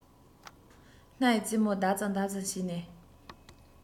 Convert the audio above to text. སྣའི རྩེ མོ ལྡག ཙམ ལྡག ཙམ བྱས ནས